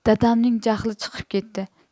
dadamning jahli chiqib ketdi